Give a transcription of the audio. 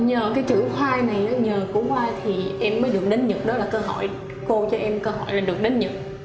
nhờ cái chữ khoai này nhờ củ khoai thì em mới được đến nhật đó là cơ hội cô cho em cơ hội để được đến nhật